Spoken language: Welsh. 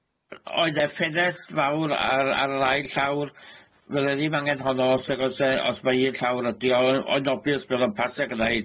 Oedd 'e ffenest fawr ar ar yr ail llawr, fyddai ddim angen honno os nag o's e- os ma' un llawr ydi o. Oedd obvious be' oedd o'n pasa gneud.